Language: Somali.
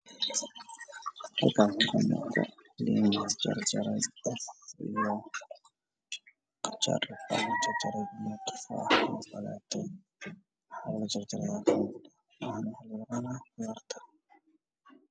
Waa liimo midabkoodu yahay jaalo